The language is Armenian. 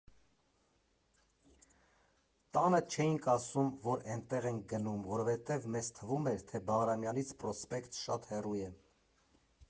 Տանը չէինք ասում, որ էնտեղ ենք գնում, որովհետև մեզ թվում էր, թե Բաղրամյանից Պրոսպեկտ շատ հեռու է։